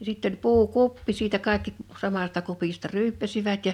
ja sitten oli puukuppi siitä kaikki samasta kupista ryyppäsivät ja